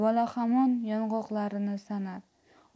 bola hamon yong'oqlarini sanar